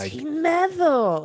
Ti'n meddwl?